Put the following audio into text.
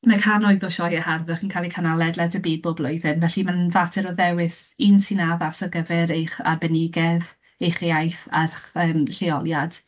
Mae cannoedd o sioeau harddwch yn cael eu cynnal ledled y byd bob blwyddyn, felly mae'n fater o ddewis un sy'n addas ar gyfer eich arbenigedd, eich iaith a'ch, yym, lleoliad.